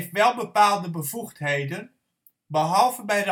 wel bepaalde bevoegdheden, behalve bij